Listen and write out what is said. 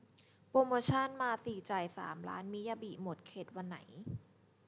โปรโมชันมาสี่จ่ายสามร้านมิยาบิหมดเขตวันไหน